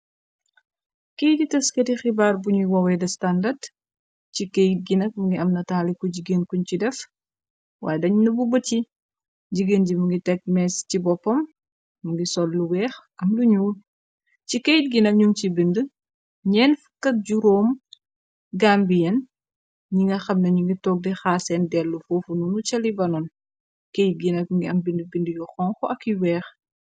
Key ti tëskati xibaar buñuy wowee de standard , ci keyt ginak mungi am nataali ku jigéen kuñ ci def, waaye dañu na bu buty. Jigéen ji mu ngi teg meez ci boppam, mu ngi sol lu weex am luñuul , ci keyt gina ñum ci bind 4ee jom gambiyeen , ñi nga xam nañu ngi togli xaa seen dellu foofu nunu ca libanon, keyt gina m ngi am bind bind yu xonxo ak yu weex.